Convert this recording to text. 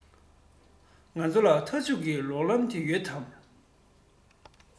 ང ཚོ ལ མཐའ མཇུག གི ལོག ལམ དེ ཡོད དམ